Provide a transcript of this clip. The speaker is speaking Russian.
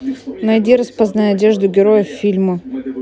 найди распознай одежду героев фильма